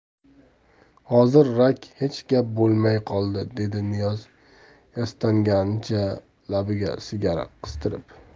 hozir rak hech gap bo'lmay qoldi dedi niyoz yastanganicha labiga sigara qistirib